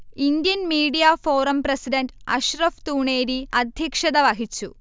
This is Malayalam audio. Indian media forum president Ashraf Thooneri അധ്യക്ഷത വഹിച്ചു